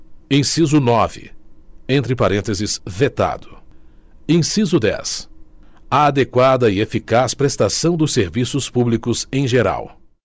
inciso nove entre parênteses vetado inciso dez a adequada e eficaz prestação dos serviços públicos em geral